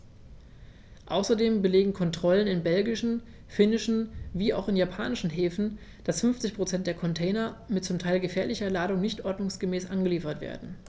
Außerdem belegen Kontrollen in belgischen, finnischen wie auch in japanischen Häfen, dass 50 % der Container mit zum Teil gefährlicher Ladung nicht ordnungsgemäß angeliefert werden.